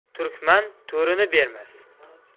turkman to'rini bermas